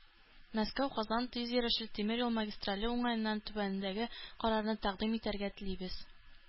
“мәскәү-казан тизйөрешле тимер юл магистрале уңаеннан түбәндәге карарны тәкъдим итәргә телибез.